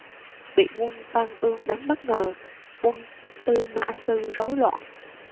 bị quân văn ương đánh bất ngờ quân tư mã sư rối loạn